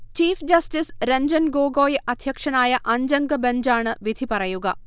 chief justice Ranjan Gogoi അധ്യക്ഷനായ അഞ്ചംഗ ബഞ്ചാണ് വിധിപറയുക